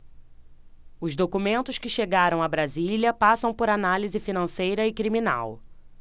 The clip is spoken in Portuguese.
os documentos que chegaram a brasília passam por análise financeira e criminal